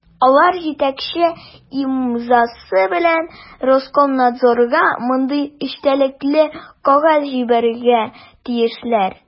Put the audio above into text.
Алар җитәкче имзасы белән Роскомнадзорга мондый эчтәлекле кәгазь җибәрергә тиешләр: